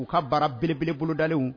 U ka baara belebele bolodaliw